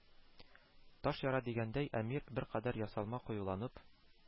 Таш яра дигәндәй, әмир, беркадәр ясалма кыюланып,